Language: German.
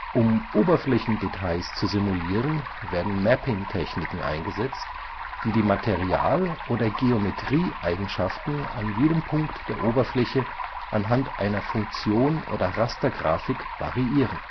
Um Oberflächendetails zu simulieren, werden Mapping-Techniken eingesetzt, die die Material - oder Geometrieeigenschaften an jedem Punkt der Oberfläche anhand einer Funktion oder Rastergrafik variieren